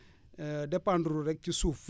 dépendre lul rek ci suuf